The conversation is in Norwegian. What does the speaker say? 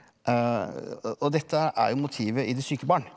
og dette er jo motivet i Det syke barn.